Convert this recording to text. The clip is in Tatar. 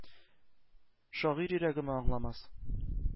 Шагыйрь йөрәгеме аңламас?